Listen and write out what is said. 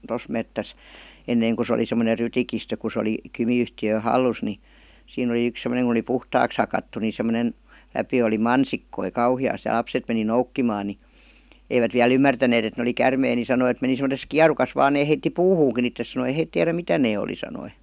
tuossa metsässä ennen kun se oli semmoinen rytikistö kun se oli Kymi-yhtiön hallussa niin siinä oli yksi semmoinen kun oli puhtaaksi hakattu niin semmoinen läpi oli mansikoita kauheasti ja lapset meni noukkimaan niin eivät vielä ymmärtäneet että ne oli käärmeitä niin sanoi että meni semmoisessa kierukassa vain ne heitti puuhunkin itsensä sanoi ei he tiedä mitä ne oli sanoi